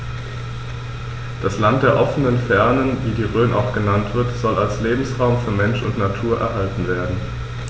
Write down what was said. Das „Land der offenen Fernen“, wie die Rhön auch genannt wird, soll als Lebensraum für Mensch und Natur erhalten werden.